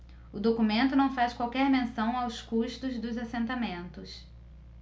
o documento não faz qualquer menção aos custos dos assentamentos